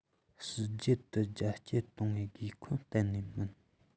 ཕྱི རྒྱལ དུ རྒྱ སྐྱེད གཏོང བའི དགོས མཁོ གཏན ནས མིན